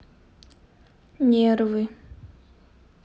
нервы